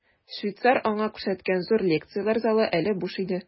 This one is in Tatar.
Швейцар аңа күрсәткән зур лекцияләр залы әле буш иде.